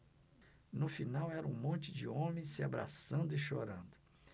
no final era um monte de homens se abraçando e chorando